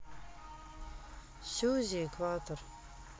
suzi экватор